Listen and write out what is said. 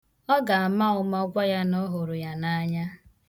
Ọ ga-ama ụma gwa ya na ọ hụrụ ya n'anya.